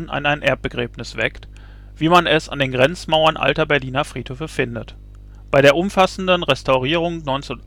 an ein Erbbegräbnis weckt, wie man es an den Grenzmauern alter Berliner Friedhöfe findet. Bei der umfassenden Restaurierung 1998